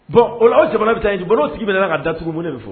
Bon o aw jamana bɛ taa yen bolo sigi bɛ ka daugubon de fɔ